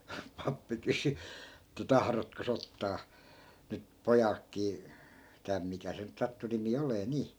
pappi kysyi että tahdotkos ottaa nyt pojaltakin tämä mikä se nyt sattui nimi olemaan niin